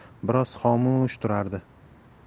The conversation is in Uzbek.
suyanib biroz xomush turardi